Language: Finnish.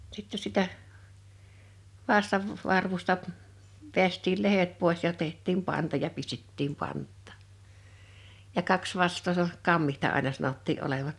sitten sitä vastan varvusta vetäistiin lehdet pois ja tehtiin panta ja pistettiin pantaan ja kaksi vastaa se on kammitsa aina sanottiin olevan